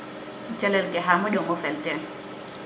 calel ke xa moƴoŋo fel teen